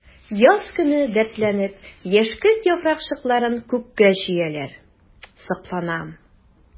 Яз көне дәртләнеп яшькелт яфракчыкларын күккә чөяләр— сокланам.